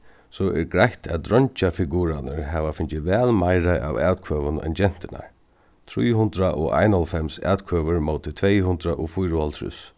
so er greitt at dreingjafigurarnir hava fingið væl meira av atkvøðum enn genturnar trý hundrað og einoghálvfems atkvøður móti tvey hundrað og fýraoghálvtrýss